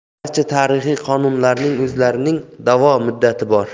barcha tarixiy qonunlarning o'zlarining da'vo muddati bor